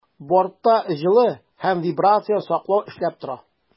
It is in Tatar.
Бортта җылы һәм вибрациядән саклау эшләп тора.